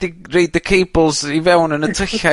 'di roid y cebls i fewn yn y tyllau...